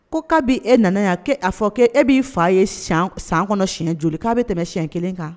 Ko kabi e nana yan''a fɔ' e b'i fa ye san kɔnɔ si joli k'a bɛ tɛmɛ siɲɛ kelen kan